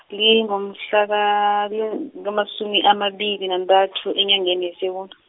lingomhlaka-, nga masumi amabili nantathu, enyangeni yeSewula.